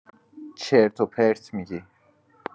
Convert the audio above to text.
چرت و پرت می‌گی